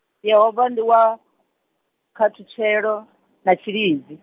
Yehova ndi wa, khathutshelo, na tshilidzi.